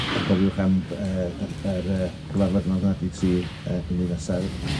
A cofiwch am yy yy yr yy cyfarfod